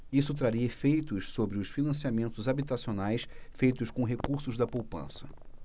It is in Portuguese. isso traria efeitos sobre os financiamentos habitacionais feitos com recursos da poupança